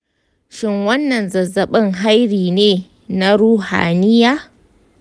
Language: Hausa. shin wannan zazzabin hari ne na ruhaniya?